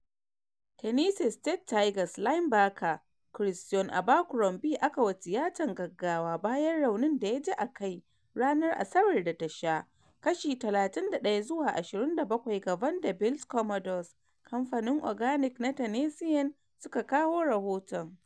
Tennessee State Tigers linebacker Christion Abercrombie aka wa tiyata gaggawa bayan raunin da ya ji a kai ranar Asabar da ta sha kashi 31-27 ga Vanderbilt Commodores, kamfanin Organic na Tennessean suka kawo rahoton.